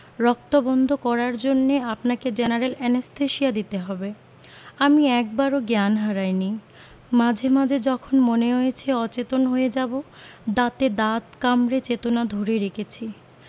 রক্ত বন্ধ করার জন্যে আপনাকে জেনারেল অ্যানেসথেসিয়া দিতে হবে আমি একবারও জ্ঞান হারাইনি মাঝে মাঝে যখন মনে হয়েছে অচেতন হয়ে যাবো দাঁতে দাঁত কামড়ে চেতনা ধরে রেখেছি